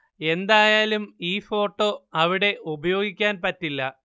എന്തായാലും ഈ ഫോട്ടോ അവിടെ ഉപയോഗിക്കാൻ പറ്റില്ല